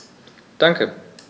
Danke.